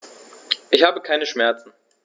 Ich habe keine Schmerzen.